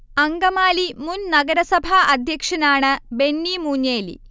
അങ്കമാലി മുൻ നഗരസഭാ അധ്യക്ഷനാണ് ബെന്നി മൂഞ്ഞേലി